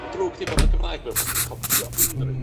Y drwg 'di bod y Gymraeg yn fel bot hi'n copïo unryw